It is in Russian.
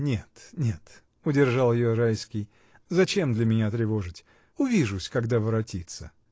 — Нет, нет, — удержал ее Райский, — зачем для меня тревожить? Увижусь, когда воротится.